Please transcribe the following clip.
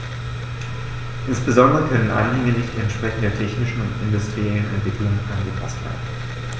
Insbesondere können Anhänge nicht entsprechend der technischen und industriellen Entwicklung angepaßt werden.